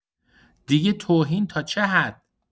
دیگه توهین تا چه حد؟!